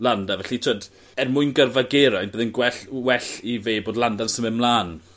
Landa felly t'wod er mwyn gyrfa Geraint bydd yn gwell well i fe bod Landa* yn symud mlan.